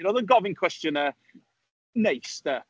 Oedd yn gofyn cwestiynau neis, de.